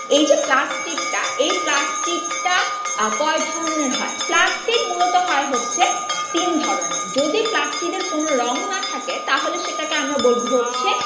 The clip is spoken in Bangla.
এই যে প্লাস্টিড টা এই প্লাস্টিড টা কয় ধরনের হয় প্লাস্টিড মূলত হয় হচ্ছে তিন ধরনের যদি প্লাস্টিডের কোন রং না থাকে তাহলে সেটাকে আমরা বলবো হচ্ছে